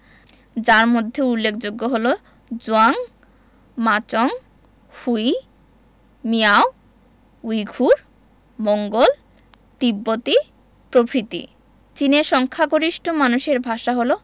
যার মধ্যে উল্লেখযোগ্য হলো জুয়াং মাছং হুই মিয়াও উইঘুর মোঙ্গল তিব্বতি প্রভৃতি চীনের সংখ্যাগরিষ্ঠ মানুষের ভাষা হলো